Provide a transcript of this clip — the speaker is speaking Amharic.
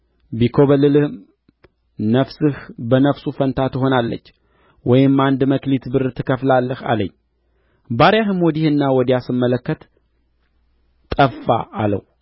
ቢኰበልልም ነፍስህ በነፍሱ ፋንታ ትሆናለች ወይም አንድ መክሊት ብር ትከፍላለህ አለኝ ባሪያህም ወዲህና ወዲያ ሲመለከት ጠፋ አለው